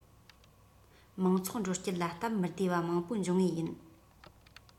མང ཚོགས འགྲོ སྐྱོད ལ སྟབས མི བདེ བ མང པོ འབྱུང ངེས ཡིན